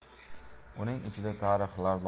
uning ichida tarhlar